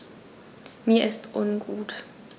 Mir ist ungut.